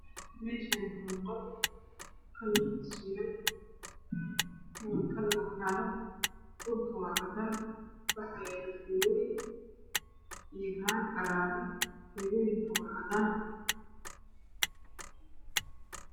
Meshani waa qol kalarkisa u yahy kalar cagaarn dhulka waa cadaan waxa yaalo filoyin iyo haan cagaran filoyinka waa cadaan